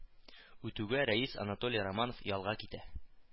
Үтүгә рәис анатолий романов ялга китә